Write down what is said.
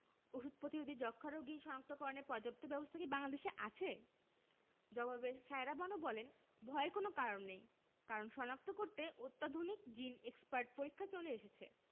ওষুধ প্রতিরোধী যক্ষ্মা রোগী শনাক্তকরণে পর্যাপ্ত ব্যবস্থা কি বাংলাদেশে আছে জবাবে সায়েরা বানু বলেন ভয়ের কোনো কারণ নেই কারণ শনাক্ত করতে অত্যাধুনিক জিন এক্সপার্ট পরীক্ষা চলে এসেছে